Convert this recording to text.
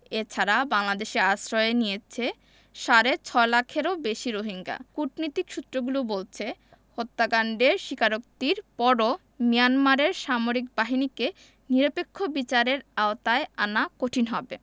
এ ছাড়া বাংলাদেশে আশ্রয় নিয়েছে সাড়ে ছয় লাখেরও বেশি রোহিঙ্গা কূটনৈতিক সূত্রগুলো বলছে হত্যাকাণ্ডের স্বীকারোক্তির পরও মিয়ানমারের সামরিক বাহিনীকে নিরপেক্ষ বিচারের আওতায় আনা কঠিন হবে